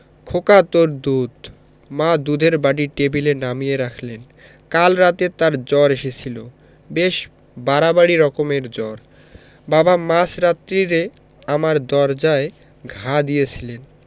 খোকা তোর দুধ মা দুধের বাটি টেবিলে নামিয়ে রাখলেন কাল রাতে তার জ্বর এসেছিল বেশ বাড়াবাড়ি রকমের জ্বর বাবা মাঝ রাত্তিরে আমার দরজায় ঘা দিয়েছিলেন